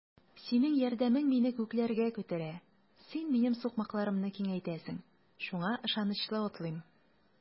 Синең ярдәмең мине күкләргә күтәрә, син минем сукмакларымны киңәйтәсең, шуңа ышанычлы атлыйм.